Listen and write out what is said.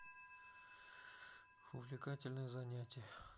увлекательное занятие